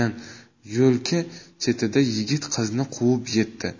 yo'lka chetida yigit qizni quvib yetdi